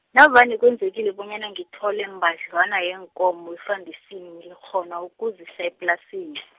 navane kwenzekile bona ngithole mbadlwana, yeenkomo efandesini ngikghona ukuzisa eplasini.